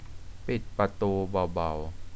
ปิดประตูเบาๆ